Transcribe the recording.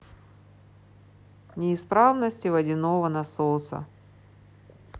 неисправности водяного насоса